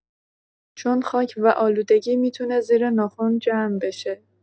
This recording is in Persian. چون خاک و آلودگی می‌تونه زیر ناخن جمع بشه.